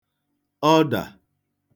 ọdà